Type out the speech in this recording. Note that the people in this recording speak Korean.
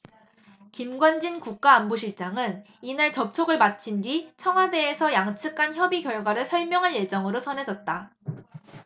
김관진 국가안보실장은 이날 접촉을 마친 뒤 청와대에서 양측간 협의 결과를 설명할 예정으로 전해졌다